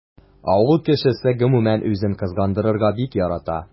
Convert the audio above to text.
Авыл кешесе гомумән үзен кызгандырырга бик ярата.